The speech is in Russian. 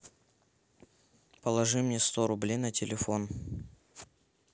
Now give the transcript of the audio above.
положи мне сто рублей на телефон